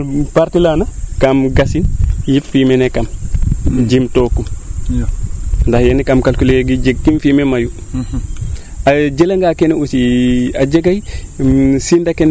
partie laana kam gasin yip fumier ne kam jim ntokum nda yaga cam calculer yee jeg kiim fumier mayu a jela nga keene aussi a jegay